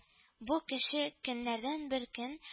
Бу кеше көннәрдән бер көн